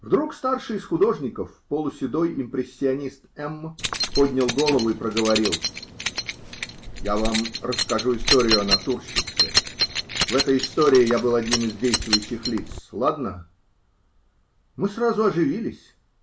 Вдруг старший из художников, полуседой импрессионист М. , поднял голову и проговорил: -- Я вам расскажу историю о натурщице -- в этой истории я был одним из действующих лиц. Ладно? Мы сразу оживились.